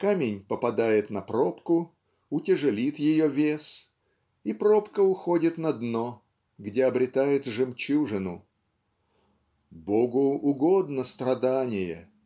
камень попадает на пробку утяжелит ее вес и пробка уходит на дно где обретает жемчужину. Богу угодно страдание,